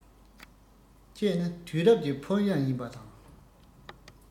ཁྱེད ནི དུས རབས ཀྱི ཕོ ཉ ཡིན པ དང